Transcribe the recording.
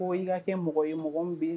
Ko i kaa kɛ mɔgɔ ye mɔgɔ bɛ